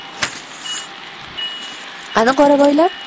qani qoravoylar